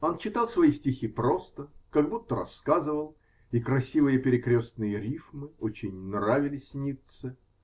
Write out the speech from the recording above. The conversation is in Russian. Он читал свои стихи просто, как будто рассказывал, и красивые перекрестные рифмы очень нравились Ницце.